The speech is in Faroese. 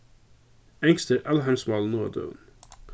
enskt er alheimsmálið nú á døgum